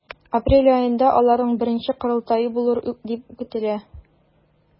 Апрель аенда аларның беренче корылтае булыр дип көтелә.